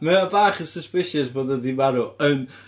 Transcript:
Mae o bach yn suspicious bod o 'di marw yn...